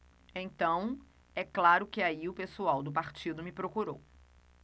então é claro que aí o pessoal do partido me procurou